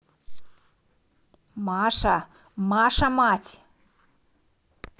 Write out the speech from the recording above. маша маша мать